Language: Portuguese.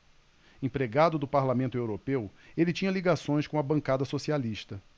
empregado do parlamento europeu ele tinha ligações com a bancada socialista